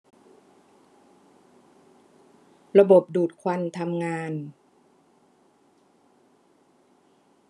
ระบบดูดควันทำงาน